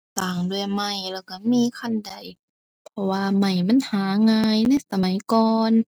สร้างด้วยไม้แล้วก็มีคันได เพราะว่าไม้มันหาง่ายในสมัยก่อน